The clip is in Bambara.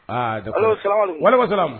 Aa ja wɛrɛ siran